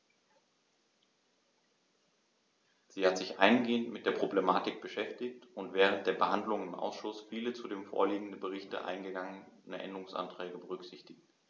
Sie hat sich eingehend mit der Problematik beschäftigt und während der Behandlung im Ausschuss viele zu dem vorliegenden Bericht eingegangene Änderungsanträge berücksichtigt.